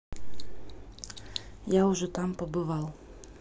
я уже там побывал